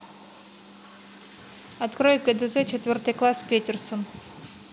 открой гдз четвертый класс петерсон